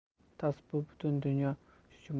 tass bu butun dunyoda shu